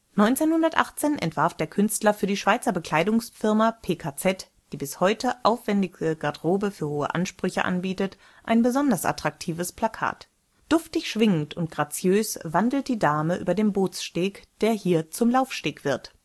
1918 entwarf der Künstler für die Schweizer Bekleidungsfirma PKZ, die bis heute aufwändige Garderobe für hohe Ansprüche anbietet, ein besonders attraktives Plakat. Duftig, schwingend und graziös wandelt die Dame über den Bootssteg, der hier zum Laufsteg wird